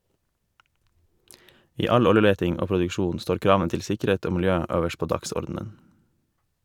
I all oljeleting og -produksjon står kravene til sikkerhet og miljø øverst på dagsordenen.